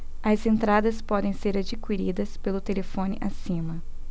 as entradas podem ser adquiridas pelo telefone acima